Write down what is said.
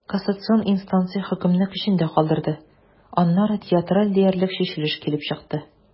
Кассацион инстанция хөкемне көчендә калдырды, аннары театраль диярлек чишелеш килеп чыкты.